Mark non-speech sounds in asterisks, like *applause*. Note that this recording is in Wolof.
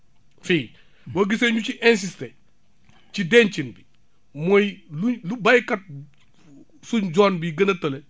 fii boo gisee ñu ciy insister ci dencin bi mooy luñ lu baykat *hesitation* suñ zone bi gën a tële